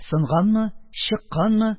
Сынганмы, чыкканмы?